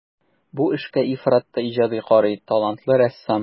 Бу эшкә ифрат та иҗади карый талантлы рәссам.